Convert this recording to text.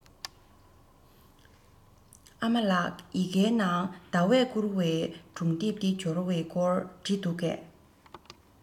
ཨ མ ལགས ཡི གེའི ནང ཟླ བས བསྐུར བའི སྒྲུང དེབ དེ འབྱོར བའི སྐོར བྲིས འདུག གས